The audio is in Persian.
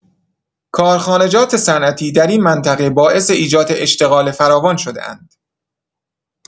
کارخانجات صنعتی در این منطقه باعث ایجاد اشتغال فراوان شده‌اند.